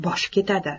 boshi ketadi